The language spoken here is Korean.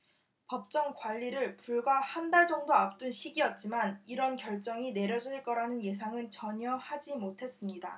법정관리를 불과 한 달 정도 앞둔 시기였지만 이런 결정이 내려질 거라는 예상은 전혀 하지 못했습니다